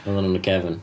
Oedden nhw yn y cefn?